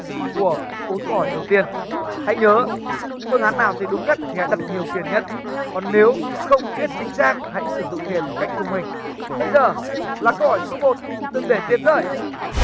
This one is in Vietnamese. của bốn câu hỏi đầu tiên hãy nhớ phương án nào thấy đúng nhất thì hãy đặt nhiều tiền nhất còn nếu không biết chính xác hãy sử dụng tiền một cách thông minh bây giờ là câu hỏi số một đừng để tiền rơi